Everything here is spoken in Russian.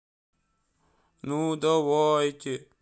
ну давайте